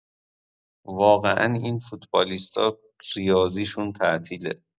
واقعا این فوتبالیست‌ها ریاضی‌شون تعطیله.